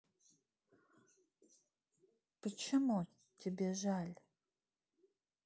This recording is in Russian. почему тебе жаль